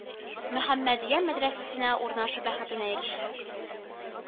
-мөхәммәдия, мәдрәсәсенә урнашу бәхетенә ирешә.